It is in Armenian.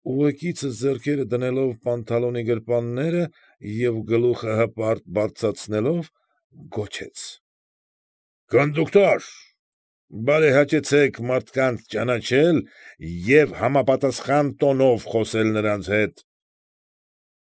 Ուղեկիցս ձեռքերը դնելով պանթալոնի գրպանները և գլուխը հպարտ բարձրացնելով, գոչեց. ֊ Կոնդուկտո՛ր, բարեհաճեցեք մարդկանց ճանաչել և համապատասխան տոնով խոսել նրանց հետ։ ֊